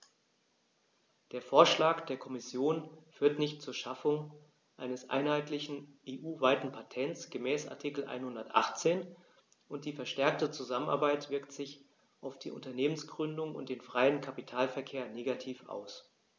Der Vorschlag der Kommission führt nicht zur Schaffung eines einheitlichen, EU-weiten Patents gemäß Artikel 118, und die verstärkte Zusammenarbeit wirkt sich auf die Unternehmensgründung und den freien Kapitalverkehr negativ aus.